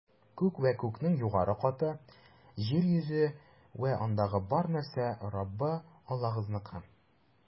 Күк вә күкнең югары каты, җир йөзе вә андагы бар нәрсә - Раббы Аллагызныкы.